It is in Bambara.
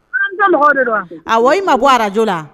A wa i ma bɔ arajo la